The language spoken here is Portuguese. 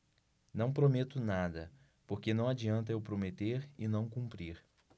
não prometo nada porque não adianta eu prometer e não cumprir